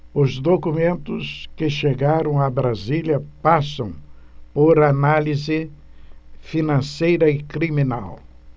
os documentos que chegaram a brasília passam por análise financeira e criminal